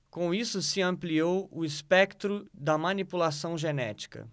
com isso se ampliou o espectro da manipulação genética